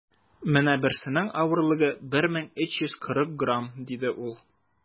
- менә берсенең авырлыгы 1340 грамм, - диде ул.